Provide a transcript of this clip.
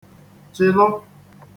chịlụ